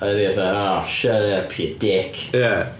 A odd hi fatha Oh shut up you dick... Ia...